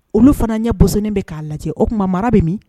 Olu fana ɲɛ bonnen bɛ k'a lajɛ o tuma mara bɛ min